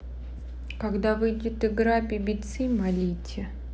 когда выйдет игра bbc молите